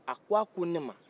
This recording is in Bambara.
a ko-a ko ne ma